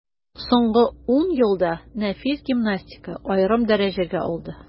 Соңгы ун елда нәфис гимнастика аерым дәрәҗәгә алды.